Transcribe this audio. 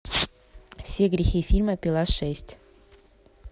все грехи фильма пила шесть